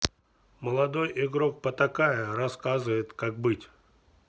молодой игрок потакая рассказывает как быть